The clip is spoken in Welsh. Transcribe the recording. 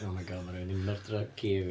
Oh my God, ma' rywun 'di myrdro ci fi.